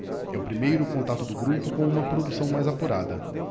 é o primeiro contato do grupo com uma produção mais apurada